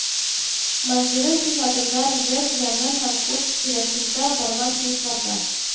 Мандиры сыйфатында ржев яны һәм курск тирәсендә барган сугышларда